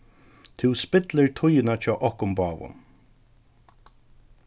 tú spillir tíðina hjá okkum báðum